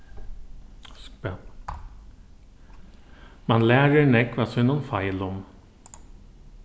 mann lærir av sínum feilum